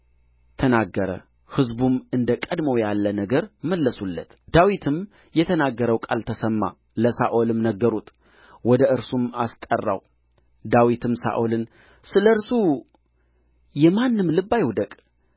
ተናገረ ሕዝቡም እንደ ቀድሞው ያለ ነገር መለሱለት ዳዊትም የተናገረው ቃል ተሰማ ለሳኦልም ነገሩት ወደ እርሱም አስጠራው ዳዊትም ሳኦልን ስለ እርሱ የማንም ልብ አይውደቅ